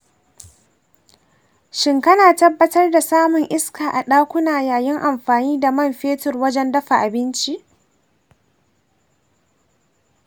shin kana tabbatar da samun iska a ɗakuna yayin amfani da man fetur wajen dafa abinci?